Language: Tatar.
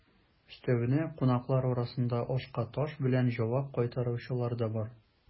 Өстәвенә, кунаклар арасында ашка таш белән җавап кайтаручылар да бар.